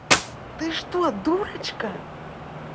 ты что дурочка